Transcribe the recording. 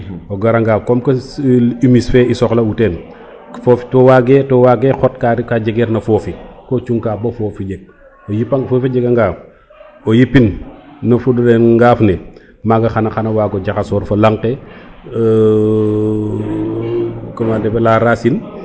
o gara nga comme que humis fe i soxla u ten fof to wage to wage xot ka jegeer na foofi ko cung ka bo fofi jeg o yipan fofi jega nga o yipin no fudole ngaaf ne maga xana xana wago jaxasor fo laŋ ke comment dire la racine